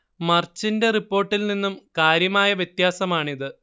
മർച്ചിന്റെ റിപ്പോർട്ടിൽ നിന്നും കാര്യമായ വ്യത്യാസമാണിത്